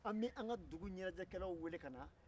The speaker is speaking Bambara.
an bɛ an ka dugu ɲanajɛkɛlaw wele kana